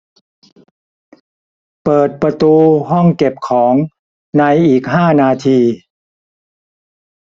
เปิดประตูห้องเก็บของในอีกห้านาที